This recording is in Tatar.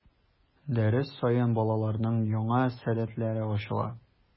Дәрес саен балаларның яңа сәләтләре ачыла.